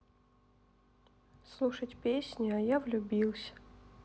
слушать песни а я влюбился